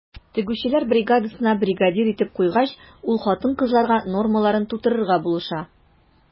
Тегүчеләр бригадасына бригадир итеп куйгач, ул хатын-кызларга нормаларын тутырырга булыша.